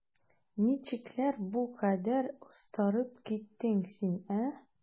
Ничекләр бу кадәр остарып киттең син, ә?